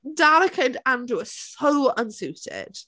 Danica and Andrew are so unsuited.